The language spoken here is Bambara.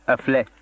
a filɛ